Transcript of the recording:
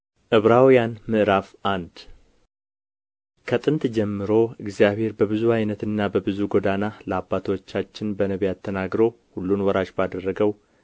ዕብራውያን ምዕራፍ አንድ ከጥንት ጀምሮ እግዚአብሔር በብዙ ዓይነትና በብዙ ጎዳና ለአባቶቻችን በነቢያት ተናግሮ ሁሉን ወራሽ ባደረገው